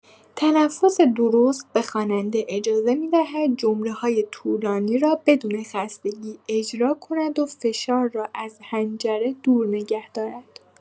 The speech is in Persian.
تنفس درست به خواننده اجازه می‌دهد جمله‌های طولانی را بدون خستگی اجرا کند و فشار را از حنجره دور نگه دارد.